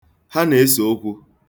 Ha na-ese okwu.